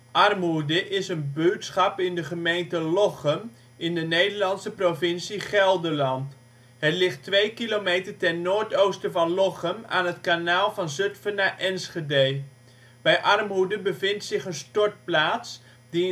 Armhoede is een buurtschap in de gemeente Lochem in de Nederlandse provincie Gelderland. Het ligt twee kilometer ten noordoosten van Lochem aan het kanaal van Zutphen naar Enschede. Bij Armhoede bevindt zich een stortplaats, die